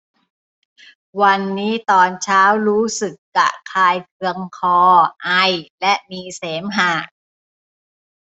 วันนี้ตอนเช้ารู้สึกระคายเคืองคอไอและมีเสมหะ